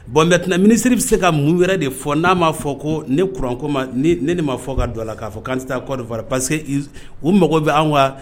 Bon mɛt minisiriri bɛ se ka mun wɛrɛ de fɔ n'a ma fɔ ko ne kuranko ma ne ne ma fɔ ka don la k'a fɔ ko an tɛ taa kɔ dɔ parce que o mago bɛ an wa